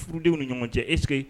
Furuurudenw ni ɲɔgɔn cɛ esse